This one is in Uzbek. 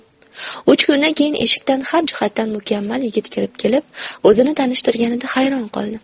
uch kundan keyin eshikdan har jihatdan mukammal yigit kirib kelib o'zini tanishtirganida hayron qoldim